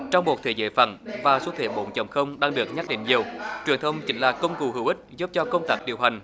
trong một thế giới phẳng và xu thế bốn chấm không đang được nhắc đến nhiều truyền thông chính là công cụ hữu ích giúp cho công tác điều hành